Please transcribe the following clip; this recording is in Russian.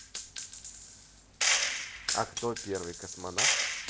а кто первый космонавт